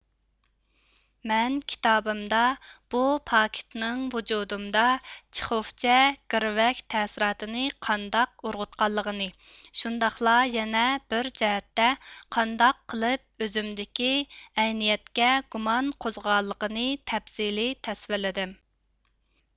مەن كىتابىمدا بۇ پاكىتنىڭ ۋۇجۇدۇمدا چېخوفچە گىرۋەك تەسىراتىنى قانداق ئۇرغۇتقانلىقىنى شۇنداقلا يەنە بىر جەھەتتە قانداق قىلىپ ئۆزۈمدىكى ئەينىيەتكە گۇمان قوزغىغانلىقىنى تەپسىلىي تەسۋىرلىدىم